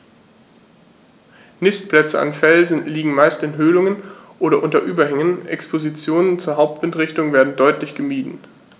Nistplätze an Felsen liegen meist in Höhlungen oder unter Überhängen, Expositionen zur Hauptwindrichtung werden deutlich gemieden.